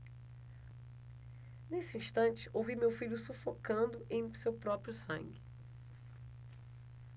nesse instante ouvi meu filho sufocando em seu próprio sangue